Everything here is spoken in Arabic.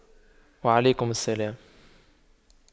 وعليكم السلام